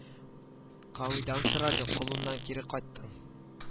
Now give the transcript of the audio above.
Кавидан сорады колуннан кире кайттың